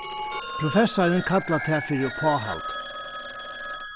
professarin kallar tað fyri uppáhald